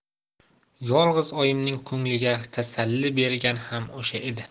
yolg'iz oyimning ko'ngliga tasalli bergan ham o'sha edi